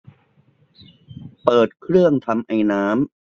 เปิดเครื่องทำไอน้ำ